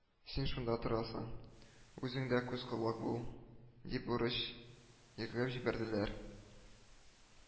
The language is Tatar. Син шунда торасың, үзең дә күз-колак бул, дип бурыч йөкләп җибәрделәр